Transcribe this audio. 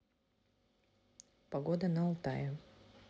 погода на алтае